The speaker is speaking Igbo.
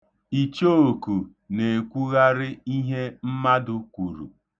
Ichooku na-ekwugharị ihe mmadụ kwuru.